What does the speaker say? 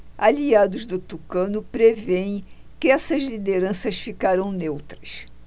aliados do tucano prevêem que essas lideranças ficarão neutras